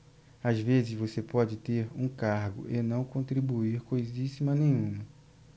às vezes você pode ter um cargo e não contribuir coisíssima nenhuma